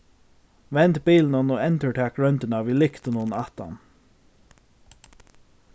vend bilinum og endurtak royndina við lyktunum aftan